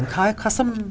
hva er hva som.